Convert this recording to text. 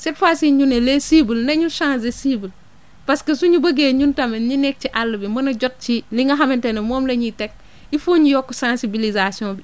cette fois ci ñu ne les cibles nañu changé cible parce que suñu bëggee ñun tamit ñi nekk ci àll bi mën a jot ci li nga xamante ne moom la ñuy teg il faut ñu yokk sensibilisation bi